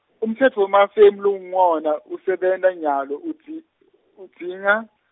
umtsetfo wemafemu longuwona usebenta nyalo udzi-, udzinga.